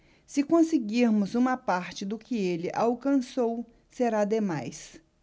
se conseguirmos uma parte do que ele alcançou será demais